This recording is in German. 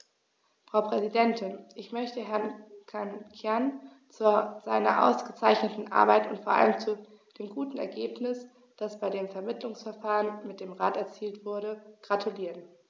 Frau Präsidentin, ich möchte Herrn Cancian zu seiner ausgezeichneten Arbeit und vor allem zu dem guten Ergebnis, das bei dem Vermittlungsverfahren mit dem Rat erzielt wurde, gratulieren.